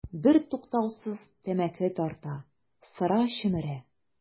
Бертуктаусыз тәмәке тарта, сыра чөмерә.